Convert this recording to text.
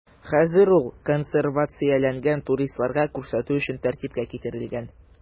Хәзер ул консервацияләнгән, туристларга күрсәтү өчен тәртипкә китерелгән.